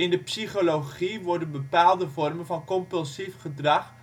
de psychologie worden bepaalde vormen van compulsief gedrag